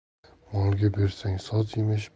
molga bersang soz yemish